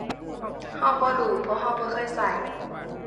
เราบ่รู้ เพราะเราบ่เคยเรา